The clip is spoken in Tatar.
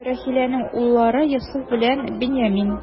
Рахиләнең уллары: Йосыф белән Беньямин.